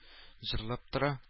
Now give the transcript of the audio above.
Җырлап тора